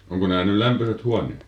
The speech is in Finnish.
onko nämä nyt lämpöiset huoneet